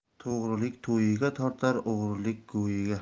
to'g'rilik to'iga tortar o'g'rilik go'iga